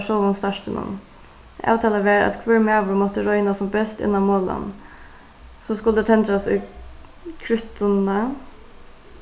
sjálvum startinum avtalað varð at hvør maður mátti royna sum best inn á molan so skuldi tendrast í krúttunnuna